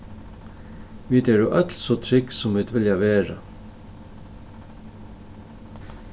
vit eru øll so trygg sum vit vilja vera